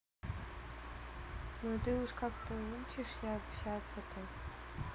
ну ты уж как ты учишься общаться то